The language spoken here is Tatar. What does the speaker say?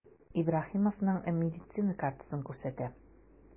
Ибраһимовның медицина картасын күрсәтә.